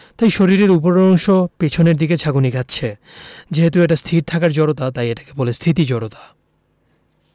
তাই শরীরের ওপরের অংশ পেছনের দিকে ঝাঁকুনি খাচ্ছে যেহেতু এটা স্থির থাকার জড়তা তাই এটাকে বলে স্থিতি জড়তা